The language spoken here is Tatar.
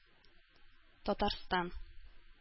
Татарстан